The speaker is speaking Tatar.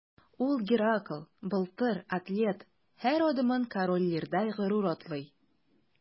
Ул – Геракл, Былтыр, атлет – һәр адымын Король Лирдай горур атлый.